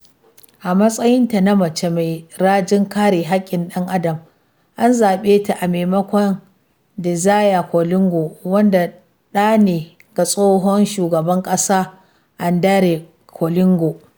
A matsayinta na mace mai rajin kare haƙƙin ɗan-adam, an zaɓe ta a maimakon Désiré Kolingba, wanda ɗa ne ga tsohon Shugaban ƙasa André Kolingba.